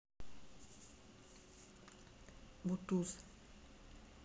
бутуз